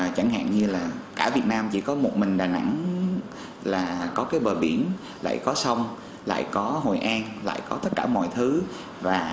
chẳng hạn như là cả việt nam chỉ có một mình đà nẵng là có cái bờ biển lại có sông lại có hội an lại có tất cả mọi thứ và